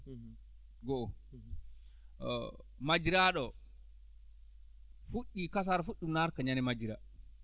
goo majjiraaɗo oo fuɗɗii kasaara fuɗɗii ɗum naarude ko ñannde majjiraa